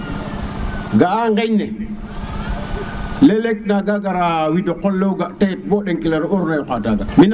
ga'a ŋeñ ne leeg leeg na nga gara wido qol lewo ga' teen bo ɗekeleer ɓor na yoka taga